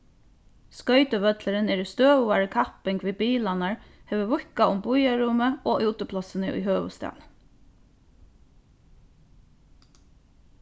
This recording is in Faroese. skoytuvøllurin er í støðugari kapping við bilarnar hevur víðkað um býarrúmið og útiplássini í høvuðsstaðnum